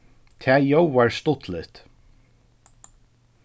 tað ljóðar stuttligt